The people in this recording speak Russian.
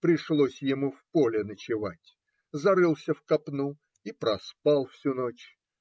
Пришлось ему в поле ночевать; зарылся в копну и проспал всю ночь.